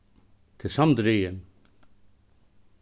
tað er samdrigið